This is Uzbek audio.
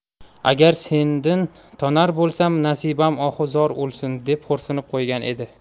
agar sendin tonar bo'lsam nasibam ohu zor o'lsun deb xo'rsinib qo'ygan edi